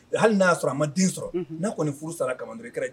Hali n'a y'a sɔrɔ a ma den sɔrɔ, unhun, n'a kɔni furu sara ka ban dɔrɔnw, i kɛra